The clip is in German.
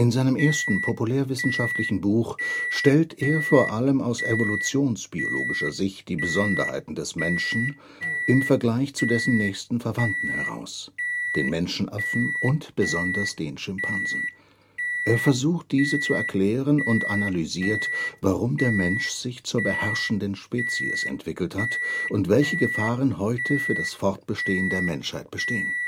seinem ersten populärwissenschaftlichen Buch stellt er vor allem aus evolutionsbiologischer Sicht die Besonderheiten des Menschen im Vergleich zu dessen nächsten Verwandten heraus – den Menschenaffen und besonders den Schimpansen. Er versucht diese zu erklären und analysiert, warum der Mensch sich zur beherrschenden Spezies entwickelt hat und welche Gefahren heute für das Fortbestehen der Menschheit bestehen